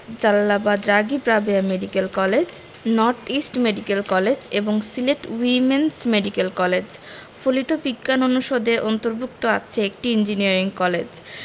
Jalalabad Ragib Rabeya medical college north east medical college এবং Sylhet women's medical college ফলিত বিজ্ঞান অনুষদের অন্তর্ভুক্ত আছে একটি ইঞ্জিনিয়ারিং কলেজ